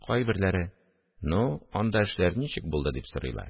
Кайберләре: – Ну, анда эшләр ничек булды? – дип сорыйлар